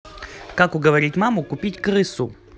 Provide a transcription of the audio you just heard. как уговорить маму купить крысу